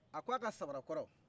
a k'a ka samara kɔrɔ